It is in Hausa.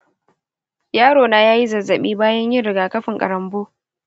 yarona yayi zazzabi bayan yin rigakafin ƙarambo.